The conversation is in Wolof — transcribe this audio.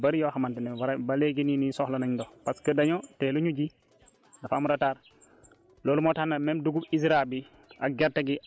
te bu yemee fii rek du baax parce que am na tool yu bëri yoo xamante ne vrai ba léegi nii nii soxla nañ ndox parce que dañoo teeluñu ji dafa am retard